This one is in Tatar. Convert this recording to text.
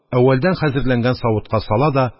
Әүвәлдән хәзерләнгән савытка сала да